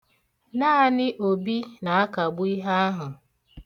Naanị Obi na-akagbu ihe ahụ.